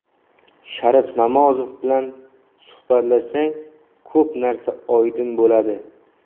sharif namozov bilan suhbatlashsang ko'p narsa oydin bo'ladi